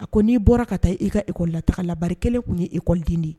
A ko n'i bɔra ka taa e ka ekɔ lataalabari kelen tun ye ekɔd de ye